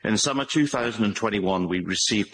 Yn y summer two thousand and twenty one, we received